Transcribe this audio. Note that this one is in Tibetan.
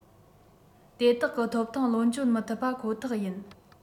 དེ དག གི ཐོབ ཐང ལོངས སྤྱོད མི ཐུབ པ ཁོ ཐག ཡིན